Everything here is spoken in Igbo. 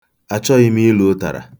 Achọghị m ilo ụtara.